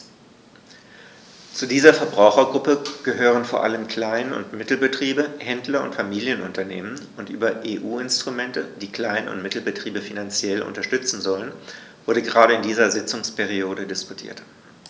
Zu dieser Verbrauchergruppe gehören vor allem Klein- und Mittelbetriebe, Händler und Familienunternehmen, und über EU-Instrumente, die Klein- und Mittelbetriebe finanziell unterstützen sollen, wurde gerade in dieser Sitzungsperiode diskutiert.